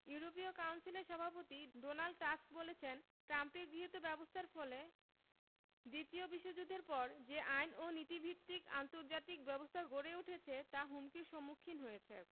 ইউরোপীয় কাউন্সিলের সভাপতি ডোনাল্ড টাস্ক বলেছেন ট্রাম্পের গৃহীত ব্যবস্থার ফলে দ্বিতীয় বিশ্বযুদ্ধের পর যে আইন ও নীতিভিত্তিক আন্তর্জাতিক ব্যবস্থা গড়ে উঠেছে তা হুমকির সম্মুখীন হয়েছে